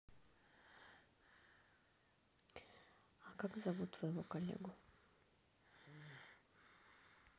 а как зовут твоего коллегу